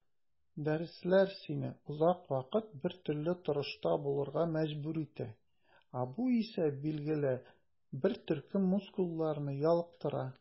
Дәресләр сине озак вакыт бертөрле торышта булырга мәҗбүр итә, ә бу исә билгеле бер төркем мускулларны ялыктыра.